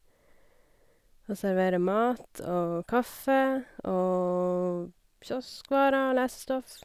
Og serverer mat og kaffe og kioskvarer og lesestoff.